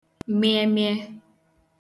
mịemịe